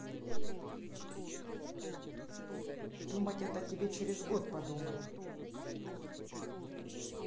думать это тебе через год подумать